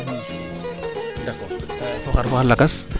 d' ;fra accord fo xar fo xar lakas